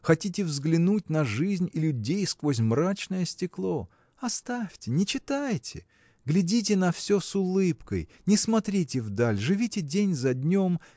хотите взглянуть на жизнь и людей сквозь мрачное стекло. Оставьте, не читайте! глядите на все с улыбкой не смотрите вдаль живите день за днем